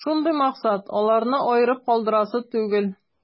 Шундый максат: аларны аерып калдырасы түгел.